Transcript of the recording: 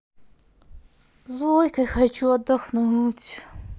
зойкой хочу отдохнуть